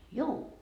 juu